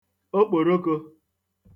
okpòrokō